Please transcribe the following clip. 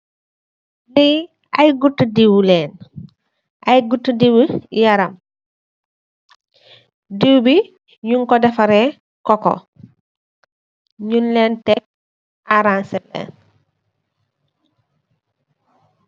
Li ay gutti diw lèèn , ay gutti diw wi yaram. Diw bi ñik ko defarr reh koko, ñuñ lèèn tek araseh lèèn.